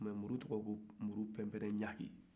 mais muru tɔgɔ ko muru pɛnpɛrɛnɲaki